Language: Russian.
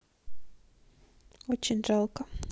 очень жалко